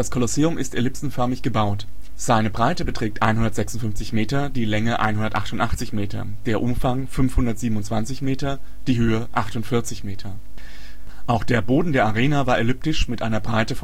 Kolosseum ist ellipsenförmig gebaut. Seine Breite beträgt 156 Meter, die Länge 188 Meter, der Umfang 527 Meter, die Höhe 48 Meter. Auch der Boden der Arena war elliptisch, mit einer Breite